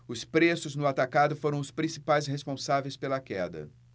os preços no atacado foram os principais responsáveis pela queda